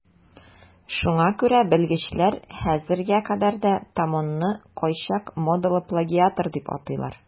Шуңа күрә белгечләр хәзергә кадәр де Томонны кайчак модалы плагиатор дип атыйлар.